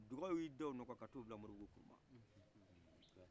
uga ye i da u nɔkan ka taga u bila moribugu